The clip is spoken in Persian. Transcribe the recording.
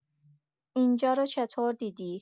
اینجا رو چطور دیدی؟